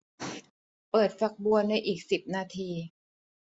เปิดฝักบัวในอีกสิบนาที